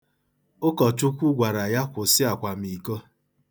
Ụkọchukwu gwara ya kwụsị akwamiiko.